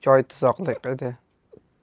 so'rida joy tuzoqlik edi